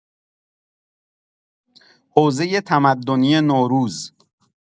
حوزه تمدنی نوروز